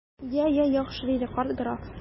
Я, я, яхшы! - диде карт граф.